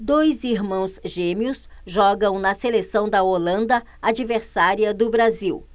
dois irmãos gêmeos jogam na seleção da holanda adversária do brasil